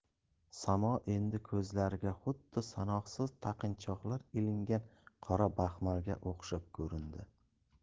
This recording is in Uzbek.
samo endi ko'zlariga xuddi sanoqsiz taqinchoqlar ilingan qora baxmalga o'xshab ko'rindi